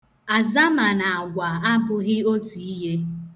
Azama na agwa abụghị otù ihe.